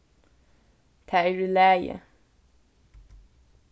tað er í lagi